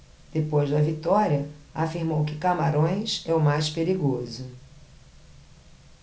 depois da vitória afirmou que camarões é o mais perigoso